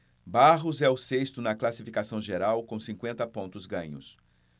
barros é o sexto na classificação geral com cinquenta pontos ganhos